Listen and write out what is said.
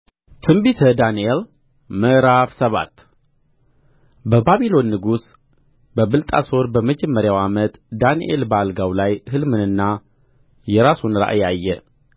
ትንቢተ ዳንኤል ምዕራፍ ሰባት በባቢሎን ንጉሥ በብልጣሶር በመጀመሪያው ዓመት ዳንኤል በአልጋው ላይ ሕልምንና የራሱን ራእይ አየ